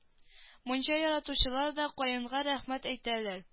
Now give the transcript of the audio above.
Мунча яратучылар да каенга рәхмәт әйтәләр